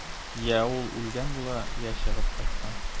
Йә ул үлгән була, йә чыгып качкан.